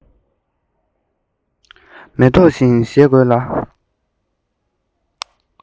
མེ ཏོག བཞིན བཞེད དགོས ལ